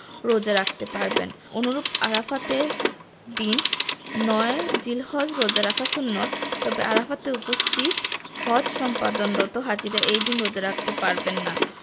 রোজা রাখতে পারবেন অনুরূপ আরাফাতের দিন ৯ জিলহজ রোজা রাখা সুন্নাত তবে আরাফাতে উপস্থিত হজ সম্পাদনরত হাজিরা এই দিন রোজা রাখতে পারবেন না